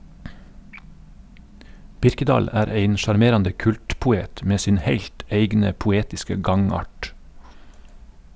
Birkedal er ein sjarmerande kultpoet med sin heilt eigne poetiske gangart.